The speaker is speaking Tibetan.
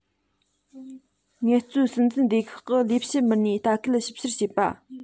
ངལ རྩོལ སྲིད འཛིན སྡེ ཁག གི ལས བྱེད མི སྣས ལྟ སྐུལ ཞིབ བཤེར བྱེད པ